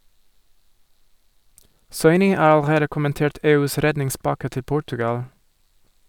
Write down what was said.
Soini har allerede kommentert EUs redningspakke til Portugal.